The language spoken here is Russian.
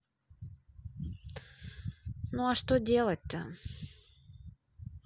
ну а что делать то